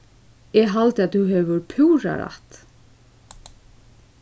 eg haldi at tú hevur púra rætt